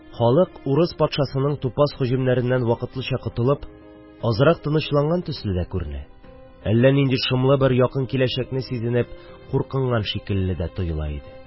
Халык урыс патшасының тупас һөҗүмнәреннән вакытлыча котылып, азрак тынычланган төсле дә күренә, әллә нинди шомлы бер якын киләчәкне сизенеп куркынган шикелле дә тоела иде.